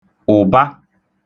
ụ̀ba